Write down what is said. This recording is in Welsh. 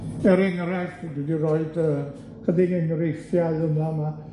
Er enghraifft, rydw i 'di roid yy chydig enghreifftiau yn fan 'ma